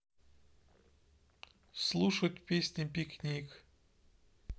слушать песни пикник